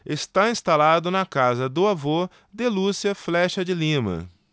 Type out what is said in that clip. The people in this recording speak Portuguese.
está instalado na casa do avô de lúcia flexa de lima